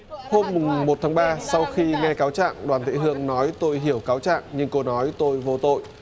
hôm mùng một tháng ba sau khi nghe cáo trạng đoàn thị hương nói tôi hiểu cáo trạng nhưng cô nói tôi vô tội